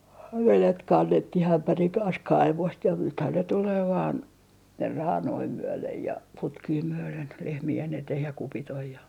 ja vedet kannettiin ämpärin kanssa kaivosta ja nythän ne tulee vain raanoja myöden ja putkia myöden lehmien eteen ja kupit on ja